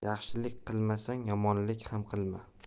yaxshilik qilmasang yomonlik ham qilma